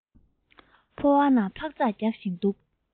ཕོ བ ན འཕག འཚག རྒྱག བཞིན འདུག